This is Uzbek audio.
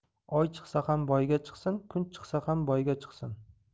oy chiqsa ham boyga chiqsin kun chiqsa ham boyga chiqsin